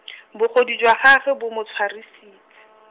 bogodu jwa gagwe bo mo tshwarisitse.